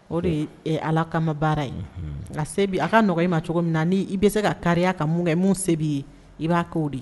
O de ye aliah kama baara ye, unhun, a se bɛ , a ka nɔgɔ i ma cogo min na, ni bɛ se ka kariya ka mun kɛ, mun se b'i ye i b'a k'o de ye.